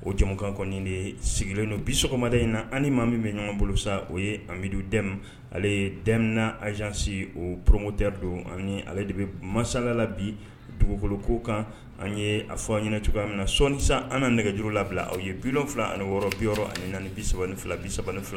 O jamukank de sigilen don bisomaden in na ani maa min bɛ ɲɔgɔn bolo sa o ye amibidu dɛmɛ ale ye denmisɛnnin azsi o porommoteri don ani ale de bɛ masasalala bi dugukolo ko kan an ye a fɔ a ɲɛna cogoya min na sɔɔnisa an nɛgɛj labila aw ye bifila ani wɔɔrɔ bi ani naani bisa fila bisa fila